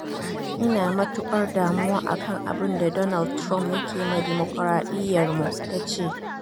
“Ina matukar damuwa akan abun da Donald Trump yake ma dimokuradiyyarmu,” ta ce.